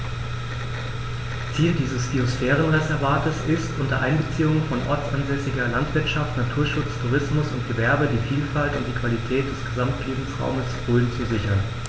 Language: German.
Ziel dieses Biosphärenreservates ist, unter Einbeziehung von ortsansässiger Landwirtschaft, Naturschutz, Tourismus und Gewerbe die Vielfalt und die Qualität des Gesamtlebensraumes Rhön zu sichern.